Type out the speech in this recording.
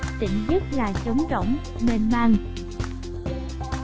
tỉnh giấc là trống rỗng mênh mang